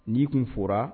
N'i kun fɔra